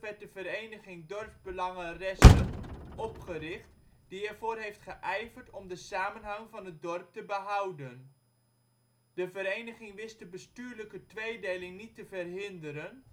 werd de vereniging Dorpsbelangen Ressen opgericht die ervoor heeft geijverd om de samenhang van het dorp te behouden. De vereniging wist de bestuurlijke tweedeling niet te verhinderen,